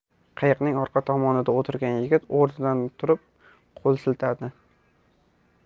qayiqning orqa tomonida o'tirgan yigit o'rnidan turib qo'l siltadi